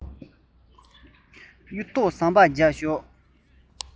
གཡུ ཐོག ཟམ པ བརྒྱབ ཤོག